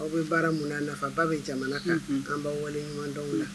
Aw bɛ baara mun na a nafa ba bɛ jamana kan unhun an b'aw waleɲuman dɔn o la un